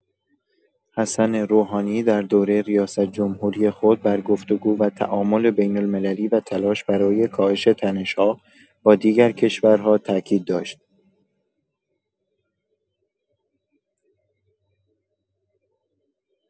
حسن روحانی در دوره ریاست‌جمهوری خود بر گفت‌وگو و تعامل بین‌المللی و تلاش برای کاهش تنش‌ها با دیگر کشورها تأکید داشت.